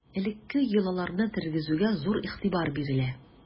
Элекке йолаларны тергезүгә зур игътибар бирелә.